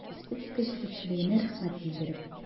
Республика җитәкчелегенә рәхмәт белдереп.